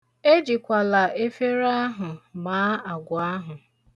Ejikwala efere ahụ maa agwa ahụ.